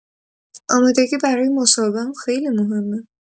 آمادگی برای مصاحبه هم خیلی مهمه.